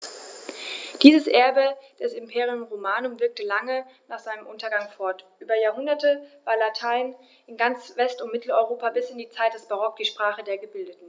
Dieses Erbe des Imperium Romanum wirkte lange nach seinem Untergang fort: Über Jahrhunderte war Latein in ganz West- und Mitteleuropa bis in die Zeit des Barock die Sprache der Gebildeten.